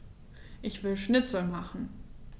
Ich will Schnitzel machen.